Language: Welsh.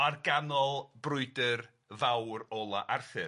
Ar ganol brwydyr fawr ola' Arthur.